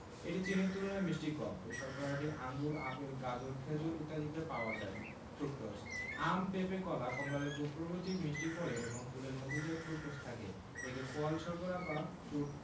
এটি চিনির তুলনায় মিষ্টি কম এই শর্করাটি আঙুর আপেল গাজর খেজুর ইত্যাদিতে পাওয়া যায় ফ্রুকটোজ আম পেপে কলা কমলালেবু প্রভৃতি মিষ্টি ফলে এবং ফুলের মধুতে ফ্রুকটোজ থাকে একে ফল শর্করা বা ফ্রুট